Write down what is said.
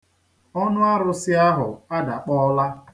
Ọnụ arụsị ahụ adakpọọla.